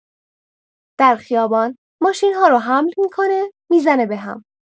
در خیابان ماشین‌ها رو حمل می‌کنه می‌زنه به هم